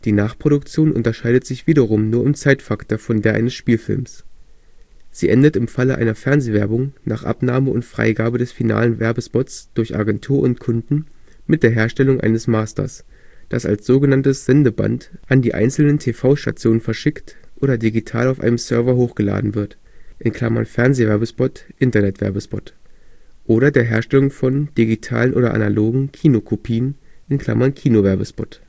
Nachproduktion unterscheidet sich wiederum nur im Zeitfaktor von der eines Spielfilms. Sie endet im Falle einer Fernsehwerbung nach Abnahme und Freigabe des finalen Werbespots durch Agentur und Kunden mit der Herstellung eines Masters, das als sogenanntes „ Sendeband “an die einzelnen TV-Stationen verschickt oder digital auf einen Server hochgeladen wird (Fernsehwerbespot, Internet-Werbespot), oder der Herstellung von – digitalen oder analogen – Kinokopien (Kinowerbespot